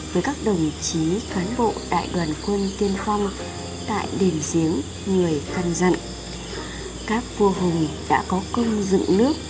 với các đồng chí đại đoàn quân tiên phong tại đền giếng người căn dặn các vua hùng đã có công dựng nước